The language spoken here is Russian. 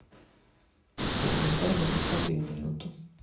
перемотай на десятую минуту